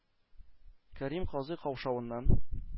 Кәрим казый каушавыннан